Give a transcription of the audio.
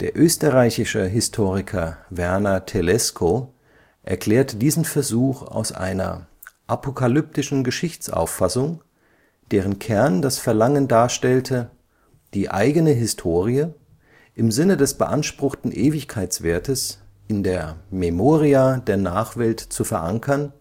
österreichische Historiker Werner Telesko erklärt diesen Versuch aus einer „ apokalyptischen Geschichtsauffassung, deren Kern das Verlangen darstellte, die eigene Historie – im Sinne des beanspruchten Ewigkeitswertes – in der ‘Memoria’ der Nachwelt zu verankern